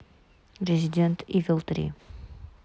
resident evil три